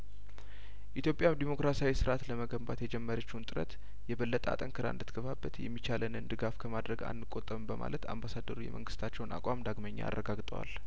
ኢትዮጵያም ዴሞክራሲያዊ ስርአት ለመገንባት የጀመረችውን ጥረት የበለጠ አጠንክራ እንድት ገፋበት የሚቻለንን ድጋፍ ከማድረግ አንቆጠብም በማለት አምባሳደሩ የመንግስታቸውን አቋም ዳግመኛ አረጋግጠዋል